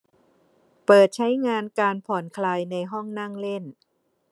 เปิดใช้งานการผ่อนคลายในห้องนั่งเล่น